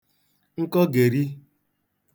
nkọgèri